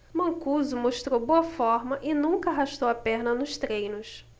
mancuso mostrou boa forma e nunca arrastou a perna nos treinos